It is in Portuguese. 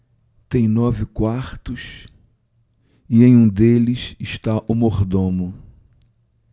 tem nove quartos e em um deles está o mordomo